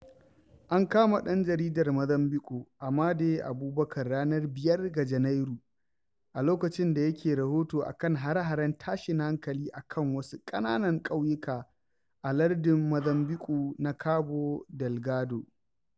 An kama ɗan jaridar Mozambiƙue, Amade Abubacar ranar 5 ga Janairu, a lokacin da yake rahoto a kan hare-haren tashin hankali a kan wasu ƙananan ƙauyuka a lardin Mozambiƙue na Cabo Delgado.